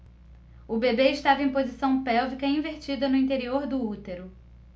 o bebê estava em posição pélvica invertida no interior do útero